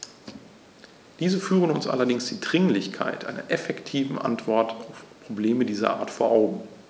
Diese führen uns allerdings die Dringlichkeit einer effektiven Antwort auf Probleme dieser Art vor Augen.